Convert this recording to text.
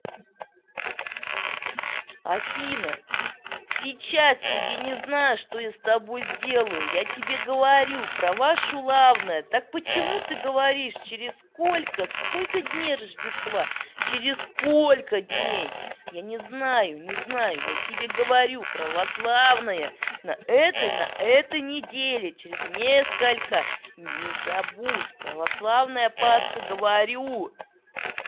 афина сейчас тебя не знаю что я с тобой сделаю я тебе говорю про вашу лавная так почему ты говоришь через сколько дней рождества через сколько дней я не знаю не знаю я тебе говорю православное на этой на этой неделе через сколько небудет православная пасха говорю